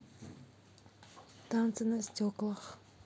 танцы на стеклах